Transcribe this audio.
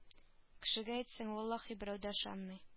Кешегә әйтсәң валлаһи берәү дә ышанмый